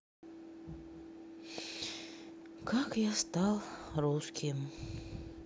как я стал русским